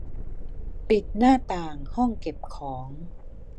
ปิดหน้าต่างห้องเก็บของ